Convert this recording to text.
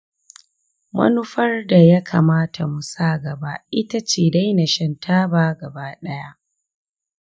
manufar da ya kamata mu sa gaba ita ce daina shan taba gaba ɗaya.